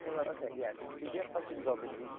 A o'n i'n meddwl, "ocê dwi'n deall pam ti 'di gofyn i fi".